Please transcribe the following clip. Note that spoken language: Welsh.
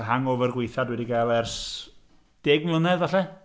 Y hangover gwaetha dwi 'di gael ers 10 mlynedd, falle?